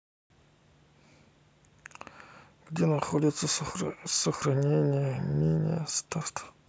где находится сохранение minecraft